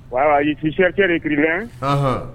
Wa i sisɛcɛri ki